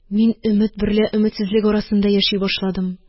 Мин өмет берлә өметсезлек арасында яши башладым.